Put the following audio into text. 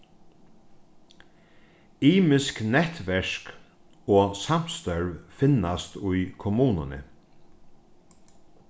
ymisk netverk og samstørv finnast í kommununi